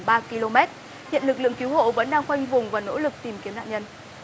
ba ki lô mét hiện lực lượng cứu hộ vẫn đang khoanh vùng và nỗ lực tìm kiếm nạn nhân